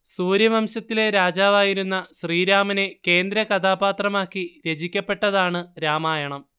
സൂര്യവംശത്തിലെ രാജാവായിരുന്ന ശ്രീരാമനെ കേന്ദ്രകഥാപാത്രമാക്കി രചിക്കപ്പെട്ടതാണ് രാമായണം